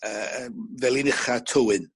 yy yy Felin Ucha Tywyn.